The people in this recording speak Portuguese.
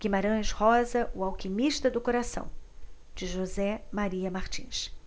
guimarães rosa o alquimista do coração de josé maria martins